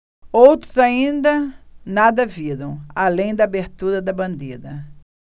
outros ainda nada viram além da abertura da bandeira